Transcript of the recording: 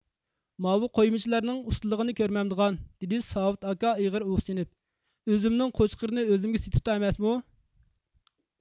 ماۋۇ قويمىچىلارنىڭ ئۇستىلىغىنى كۆرمەمدىغان دېدى ساۋۇت ئاكا ئېغىر ئۇھسىنىپ ئۆزۈمنىڭ قوچقىرىنى ئۆزۈمگە سېتىپتۇ ئەمەسمۇ